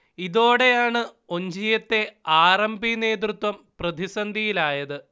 ഇതോടെയാണ് ഒഞ്ചിയത്തെ R. M. P. നേതൃത്വം പ്രതിസന്ധിയിലായത്